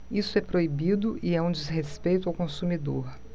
isso é proibido e é um desrespeito ao consumidor